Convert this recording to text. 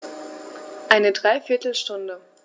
Eine dreiviertel Stunde